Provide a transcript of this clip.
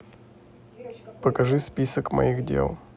покажи список моих дел